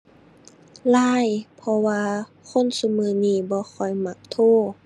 LINE เพราะว่าคนซุมื้อนี้บ่ค่อยมักโทร